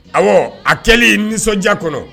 Ɔwɔ a kɛlen nisɔndiya kɔnɔ